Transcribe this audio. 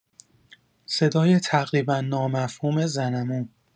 صدای تقریبا نامفهوم زن عمو